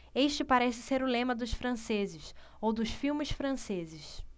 este parece ser o lema dos franceses ou dos filmes franceses